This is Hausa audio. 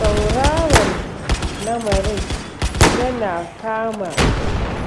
Tauraron lamarin